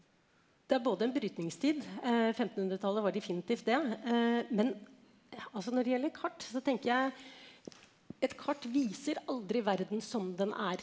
det er både en brytningstid femtenhundretallet var definitivt det men altså når det gjelder kart så tenker jeg et kart viser aldri verden som den er.